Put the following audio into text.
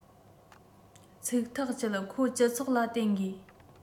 ཚིག ཐག བཅད ཁོ སྤྱི ཚོགས ལ བརྟེན དགོས